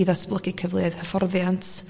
i ddatblygu cyfleoedd hyfforddiant